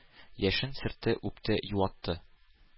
Яшен сөртте, үпте, юатты.